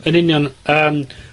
Yn union, yym,